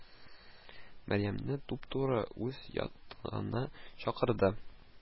Мәрьямне туп-туры үз ятагына чакырды